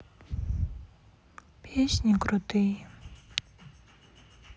песни крутые